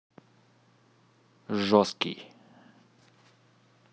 жесткий